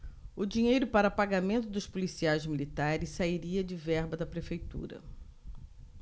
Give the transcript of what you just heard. o dinheiro para pagamento dos policiais militares sairia de verba da prefeitura